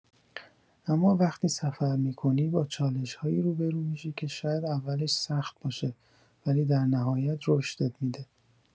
اما وقتی سفر می‌کنی، با چالش‌هایی روبه‌رو می‌شی که شاید اولش سخت باشه، ولی در نهایت رشدت می‌ده.